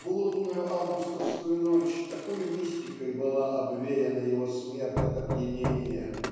в лунную августовскую ночь такою мистикой была обвеяна его смерть от опьянения